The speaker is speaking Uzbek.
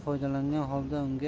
foydalangan holda unga